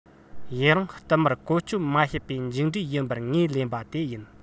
ཡུན རིང བསྟུད མར བཀོལ སྤྱོད མ བྱས པའི མཇུག འབྲས ཡིན པར ངོས ལེན པ དེ ཡིན